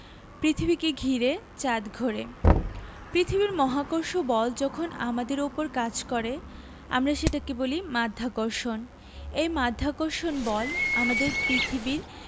পৃথিবীকে ঘিরে চাঁদ ঘোরে পৃথিবীর মহাকর্ষ বল যখন আমাদের ওপর কাজ করে আমরা সেটাকে বলি মাধ্যাকর্ষণ এই মাধ্যাকর্ষণ বল আমাদের পৃথিবীর